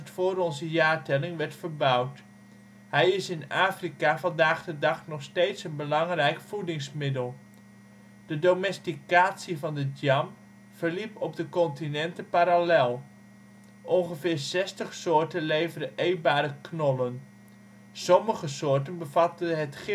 voor onze jaartelling werd verbouwd. Hij is in Afrika vandaag de dag nog steeds een belangrijk voedingsmiddel. De domesticatie van de yam verliep op de continenten parallel. Ongeveer 60 soorten leveren eetbare knollen. Sommige soorten bevatten het